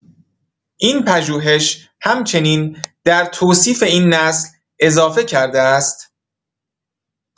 این پژوهش همچنین در توصیف این نسل اضافه کرده است